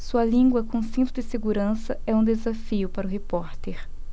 sua língua com cinto de segurança é um desafio para o repórter